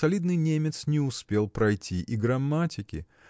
солидный немец не успел пройти и грамматики